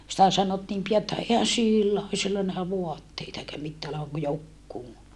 sitä sanottiin pian että eihän sillä ole sillä nähdä vaatteita eikä mitään olevan kuin joku